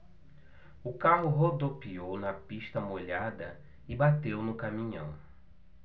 o carro rodopiou na pista molhada e bateu no caminhão